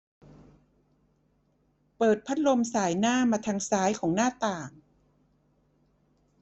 เปิดพัดลมส่ายหน้ามาทางซ้ายของหน้าต่าง